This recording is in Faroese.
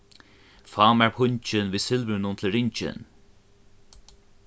fá mær pungin við silvurinum til ringin